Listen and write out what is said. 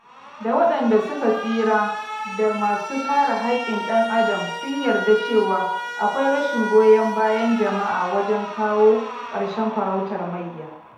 Da waɗanda suka tsira da masu kare haƙƙin ɗam adam sun yarda cewa akwai rashin goyon bayan jama'a wajen kawo ƙarshen farautar mayya.